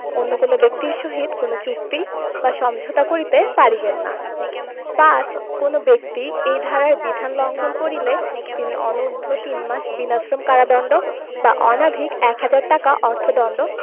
অন্য কোন ব্যক্তির সহিত কোনো চুক্তি বা সমঝোতা করিতে পারিবেন না ৫ কোন ব্যক্তি এই ধারার বিধান লংঘন করিলে তিনি অনুর্ধ্ব তিনমাস বিনাশ্রম কারদন্ড বা অনধিক এক হাজার টাকা অর্থদন্ড